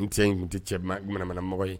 N tɛ in nin tɛ cɛ jamanamanamɔgɔ ye